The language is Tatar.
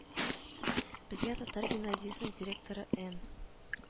Безгә татар гимназиясе директоры эН